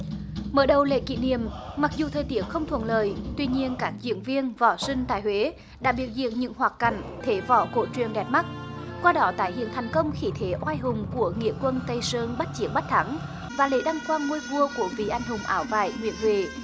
mở đầu lễ kỷ niệm mặc dù thời tiết không thuận lợi tuy nhiên các diễn viên võ sinh tại huế đã biểu diễn những hoạt cảnh thế võ cổ truyền đẹp mắt qua đó tái hiện thành công khí thế oai hùng của nghĩa quân tây sơn bách chiến bách thắng và lễ đăng quang ngôi vua của vị anh hùng áo vải nguyễn huệ